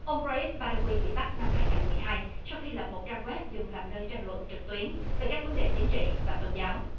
ông ra íp ba đời guy bị bắt năm hai ngàn mười hai sau khi lập một trang goép dùng làm nơi tranh luận trực tuyến về các vấn đề chính trị và tôn giáo